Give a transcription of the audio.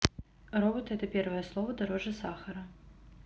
роботы это первое слово дороже сахара